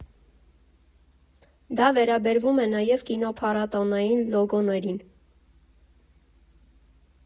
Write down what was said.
Դա վերաբերում է նաև կինոփառատոային լոգոներին։